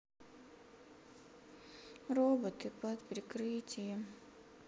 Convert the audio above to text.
роботы под прикрытием